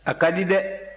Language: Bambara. a ka di dɛ